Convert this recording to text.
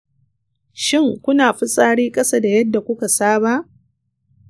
shin, kuna fitsari ƙasa da yadda kuka saba?